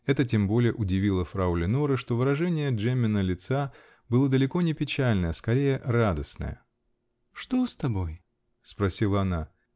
Это тем более удивило фрау Леноре, что выражение Джеммина лица было далеко не печальное, скорее радостное. -- Что с тобой? -- опросила она.